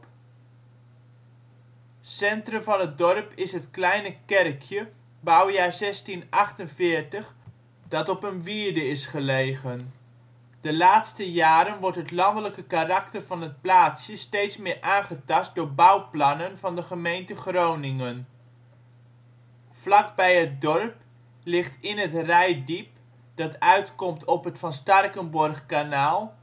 Centrum van het dorp is het kleine kerkje, bouwjaar 1648, dat op een wierde is gelegen. De laatste jaren wordt het landelijke karakter van het plaatsje steeds meer aangetast door bouwplannen van de gemeente Groningen. Vlakbij het dorp ligt in het Reitdiep (dat uitkomt op het Van Starkenborghkanaal